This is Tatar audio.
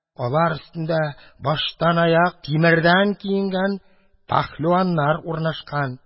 Алар өстендә баштанаяк тимердән киенгән пәһлеваннар урнашкан.